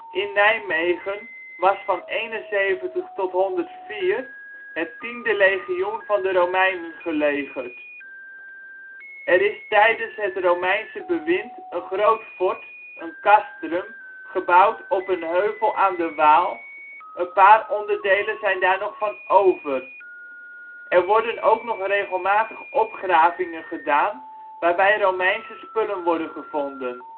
In Nijmegen was van 71 tot 104 het 10e legioen van de Romeinen gelegerd. Er is tijdens het Romeinse bewind een groot fort (castrum) gebouwd op een heuvel aan de Waal, een paar onderdelen zijn daar nog van over. Er worden ook nog regelmatig opgravingen gedaan waarbij Romeinse spullen worden gevonden